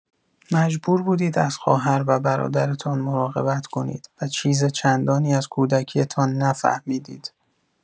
مجبور بودید از خواهر و برادرتان مراقبت کنید و چیز چندانی از کودکی‌تان نفهمیدید.